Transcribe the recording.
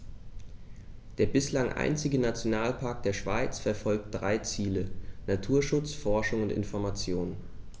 Der bislang einzige Nationalpark der Schweiz verfolgt drei Ziele: Naturschutz, Forschung und Information.